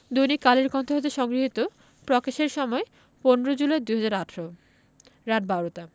দৈনিক কালের কন্ঠ হতে সংগৃহীত প্রকাশের সময় ১৫ জুলাই ২০১৮ রাত ১২টা